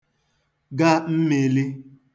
ga mmīlī